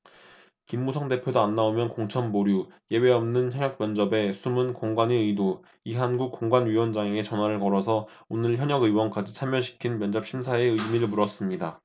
김무성 대표도 안 나오면 공천 보류 예외 없는 현역 면접에 숨은 공관위 의도이한구 공관위원장에게 전화를 걸어서 오늘 현역 의원까지 참여시킨 면접심사의 의미를 물었습니다